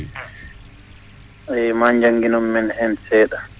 eeyi maa janngi non men heen seeɗa